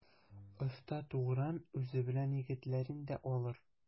Оста Тугран үзе белән егетләрен дә алыр.